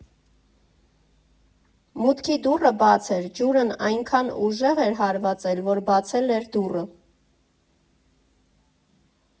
Մուտքի դուռը բաց էր, ջուրն այնքան ուժեղ էր հարվածել, որ բացել էր դուռը։